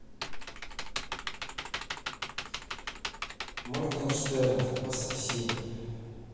моргенштерн пососи